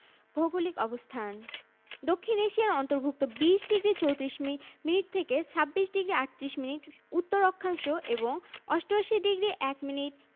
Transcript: ভৌগোলিক অবস্থানঃ দক্ষিণ এশিয়ার অন্তর্ভুক্ত ২০ডিগ্রি ৩৪ মিনিট থেকে ২৬ ডিগ্রি ৩৮ মিনিট উত্তর অক্ষাংশ এবং ৮৮ ডিগ্রি ০১ মিনিট